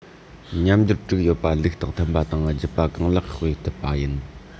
མཉམ སྦྱོར དྲུག ཡོད པ ལུགས དང མཐུན པ དང རྒྱུད པ གང ལེགས སྤེལ ཐུབ པ ཡིན